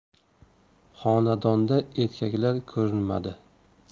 xonadonda erkaklar ko'rinmadi